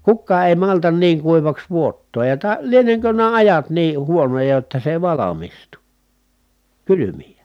kukaan ei malta niin kuivaksi vuottaa ja - lienenkö nämä ajat niin huonoja jotta se ei valmistu kylmiä